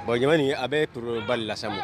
Bon jamanamani a bɛ torooroba lasa ma